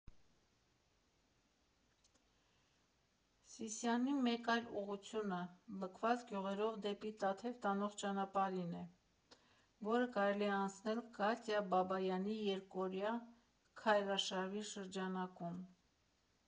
Սիսիանի մեկ այլ ուղղությունը լքված գյուղերով դեպի Տաթև տանող ճանապարհն է, որը կարելի է անցնել Կատյա Բաբայանի երկօրյա քայլարշավի շրջանակում։